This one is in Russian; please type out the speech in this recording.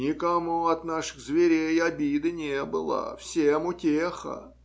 Никому от наших зверей обиды не было, всем утеха.